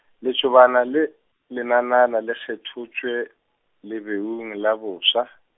letšobana le lenana na le kgothotše, leubeng la bofsa.